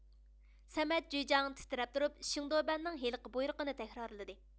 سەمەت جۈيجاڭ تىترەپ تۇرۇپ شېڭدۇبەننىڭ ھېلىقى بۇيرۇقىنى تەكرارلىدى